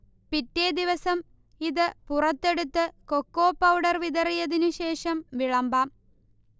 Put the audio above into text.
പിറ്റേദിവസം ഇത് പുറത്തെടുത്ത് കൊക്കോ പൌഡർ വിതറിയതിനു ശേഷം വിളമ്പാം